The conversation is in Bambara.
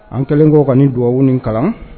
An kɛlen kɔ ka dubabu ni kalan